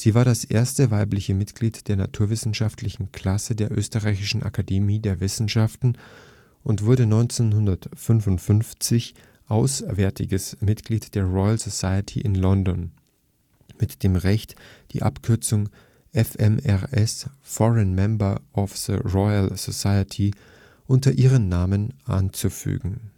war das erste weibliche Mitglied der naturwissenschaftlichen Klasse der österreichischen Akademie der Wissenschaften und wurde 1955 auswärtiges Mitglied der Royal Society in London, mit dem Recht die Abkürzung ' FMRS ' (Foreign Member of the Royal Society) hinter ihrem Namen anzufügen